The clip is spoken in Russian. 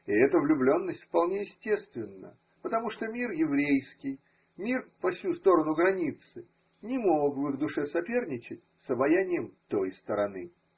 И эта влюбленность вполне естественна, потому что мир еврейский, мир по ею сторону границы не мог в их душе соперничать с обаянием той стороны.